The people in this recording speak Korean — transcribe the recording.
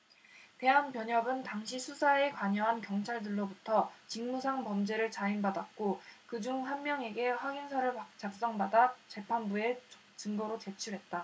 대한변협은 당시 수사에 관여한 경찰들로부터 직무상범죄를 자인받았고 그 중 한 명에게 확인서를 작성받아 재판부에 증거로 제출했다